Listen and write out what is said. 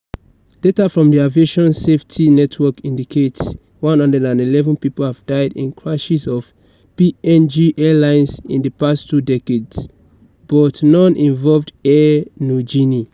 Data from the Aviation Safety Network indicates 111 people have died in crashes of PNG-registered airlines in the past two decades but none involved Air Niugini.